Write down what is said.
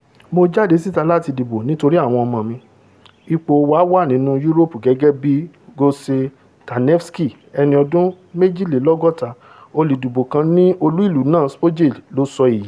'Mo jáde síta láti dìbò nítorí àwọn ọmọ mi, ipò wa wà nínú Yúróòpù,'' gẹ́gẹ́ bíi Gjose Tanevski, ẹni ọdún méjìlélọ́gọ́ta, olùdìbo kan ní olù-ìlú náà, Skopje ló sọ èyí.